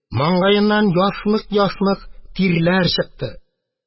Маңгаеннан ясмык-ясмык тирләр чыкты.